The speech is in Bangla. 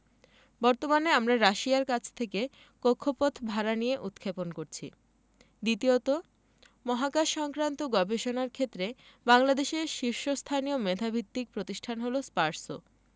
বর্তমানে আমরা রাশিয়ার কাছ থেকে কক্ষপথ ভাড়া নিয়ে উৎক্ষেপণ করেছি দ্বিতীয়ত মহাকাশসংক্রান্ত গবেষণার ক্ষেত্রে বাংলাদেশের শীর্ষস্থানীয় মেধাভিত্তিক প্রতিষ্ঠান হলো স্পারসো